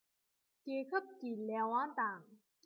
རྒྱལ ཁབ ཀྱི ལས དབང དང